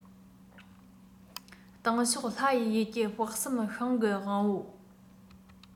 སྟེང ཕྱོགས ལྷ ཡི ཡུལ གྱི དཔག བསམ ཤིང གི དབང པོ